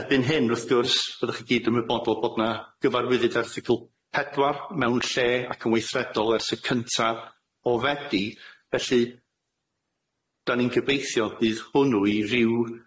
Erbyn hyn wrth gwrs fyddwch chi gyd yn ymwybodol bod na gyfarwyddyd erthygl pedwar mewn lle ac yn weithredol ers y cyntaf o Fedi felly dan ni'n gobeithio bydd hwnnw i ryw